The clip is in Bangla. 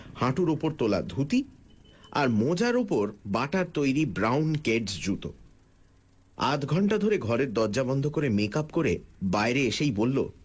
হাঁটুর উপর তোলা ধুতি আর মোজার উপর বাটার তৈরি ব্রাউন কেডস জুতো আধঘণ্টা ধরে ঘরের দরজা বন্ধ করে মেকআপ করে বাইরে এসেই বলল